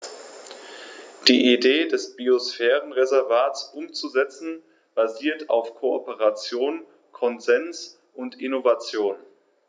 Die Idee des Biosphärenreservates umzusetzen, basiert auf Kooperation, Konsens und Innovation.